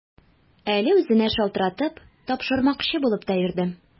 Әле үзенә шалтыратып, тапшырмакчы булып та йөрдем.